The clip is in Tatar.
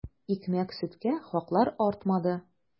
Икмәк-сөткә хаклар артмады.